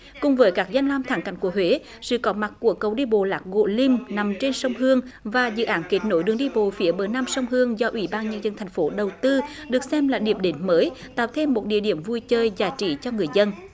cùng với các danh lam thắng cảnh của huế sự có mặt của cầu đi bộ lát gỗ lim nằm trên sông hương và dự án kết nối đường đi bộ phía bờ nam sông hương do ủy ban nhân dân thành phố đầu tư được xem là điểm đến mới tạo thêm một địa điểm vui chơi giải trí cho người dân